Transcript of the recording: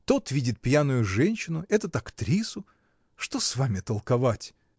Тот видит пьяную женщину, этот актрису! Что с вами толковать!